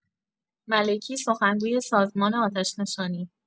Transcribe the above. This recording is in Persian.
ملکی، سحنگوی سازمان آتش‌نشانی